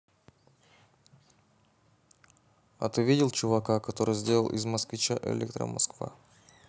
а ты видел чувака который сделал из москвича электро москва